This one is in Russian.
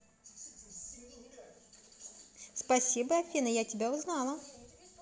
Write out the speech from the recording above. спасибо афина я тебя узнала